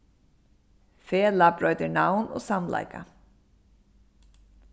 felag broytir navn og samleika